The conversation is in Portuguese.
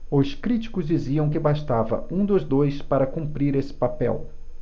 os críticos diziam que bastava um dos dois para cumprir esse papel